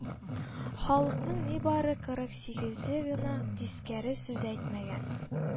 Халыкның нибары кырыг сигезе гына тискәре сүз әйтмәгән